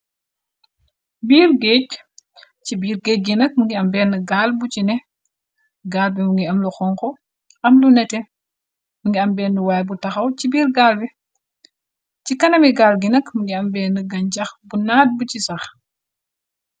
biir géej ci biir géej gi nag mungi am benn gaal bu ci ne gaal bi mungi am lu xonko am lu nete mungi am benn waay bu taxaw ci biir gaal bi ci kanami gaal gi nag mungi ambenn gan jax bu naat bu ci sax